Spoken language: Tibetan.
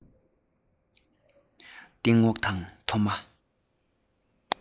སྟེང འོག དང མཐོ དམའ